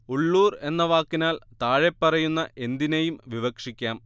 ഉള്ളൂർ എന്ന വാക്കിനാൽ താഴെപ്പറയുന്ന എന്തിനേയും വിവക്ഷിക്കാം